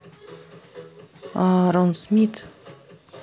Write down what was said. аарон смит